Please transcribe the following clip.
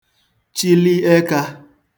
chịli ẹkā